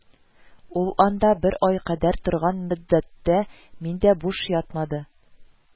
Ул анда бер ай кадәр торган мөддәттә мин дә буш ятмады